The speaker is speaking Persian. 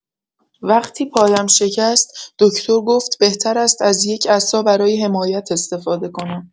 وقتی پایم شکست، دکتر گفت بهتر است از یک عصا برای حمایت استفاده کنم.